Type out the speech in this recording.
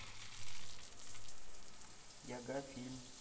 яга фильм